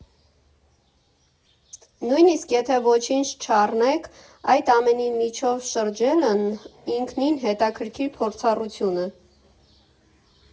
Նույնիսկ եթե ոչինչ չառնեք, այդ ամենի միջով շրջելն ինքնին հետաքրքիր փորձառություն է։